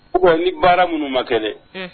Ou bien ni baara minnu ma kɛ dɛ, unhun